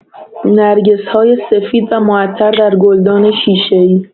نرگس‌های سفید و معطر در گلدان شیشه‌ای